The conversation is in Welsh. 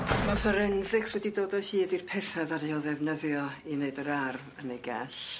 Ma' forensics wedi dod o hyd i'r petha ddaru o ddefnyddio i neud yr arf yn ei gell.